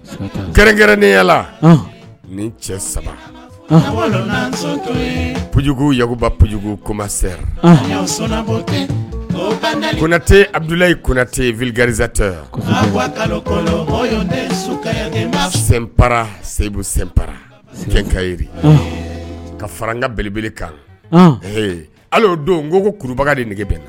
Kɛrɛnkɛrɛn ne ni cɛ sabajugukubajugu koba koɛtɛ abudula koɛtɛ vkazte yan pa se paka ka fara n ka beleb kan don ko koba dege bɛ na